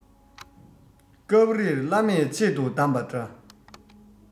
སྐབས རེར བླ མས ཆེད དུ གདམས པ འདྲ